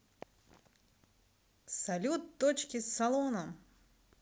салют точки салоном